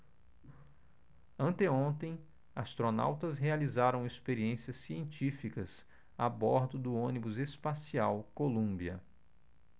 anteontem astronautas realizaram experiências científicas a bordo do ônibus espacial columbia